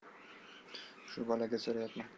shu bolaga so'rayapman